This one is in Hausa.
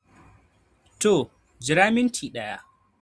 To, jira minti daya.